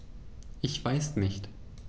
Ich weiß nicht.